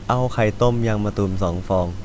เอาไข่ต้มยางมะตูมสองฟอง